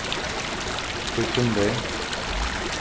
hvítusunnudegi